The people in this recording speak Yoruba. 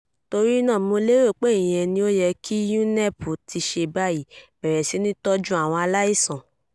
Torí náà mo lérò pé ìyẹn ni ó yẹ́ kí UNEP ti ṣe báyìí: bẹ̀rẹ̀ sí ní tọ́jú àwọn aláìsàn.